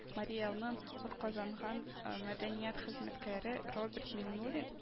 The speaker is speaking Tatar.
Марий Элның атказанган мәдәният хезмәткәре Роберт Миңнуллин